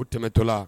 U tɛmɛtɔ la